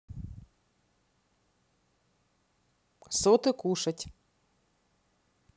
соты кушать